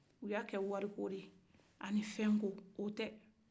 u y'a kɛ wari ko de ye a ni fɛn ko o dɛ